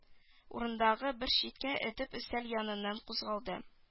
Урындагы бер читкә этеп өстәл яныннан кузгалды